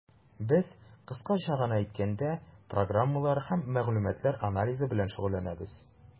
Без, кыскача гына әйткәндә, программалар һәм мәгълүматлар анализы белән шөгыльләнәбез.